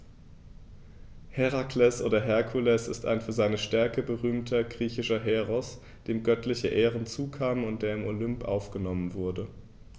Herakles oder Herkules ist ein für seine Stärke berühmter griechischer Heros, dem göttliche Ehren zukamen und der in den Olymp aufgenommen wurde.